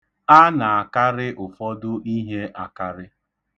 A na-akarị ụfọdụ ihe akarị.